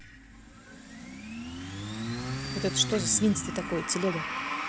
вот это что за свинство такое телега